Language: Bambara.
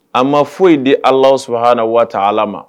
A ma foyi in di ala sabaha na waa ala ma